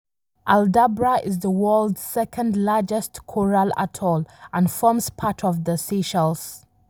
Aldabra is the world's second largest coral atoll and forms part of the Seychelles.